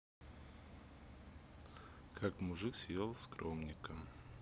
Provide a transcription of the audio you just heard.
как мужик съел скромника